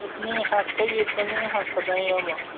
ko'pning haqi yetimning haqidan yomon